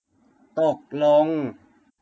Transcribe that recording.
ตกลง